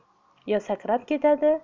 yo sakrab ketadi